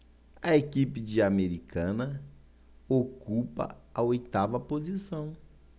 a equipe de americana ocupa a oitava posição